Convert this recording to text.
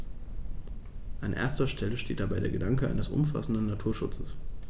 An erster Stelle steht dabei der Gedanke eines umfassenden Naturschutzes.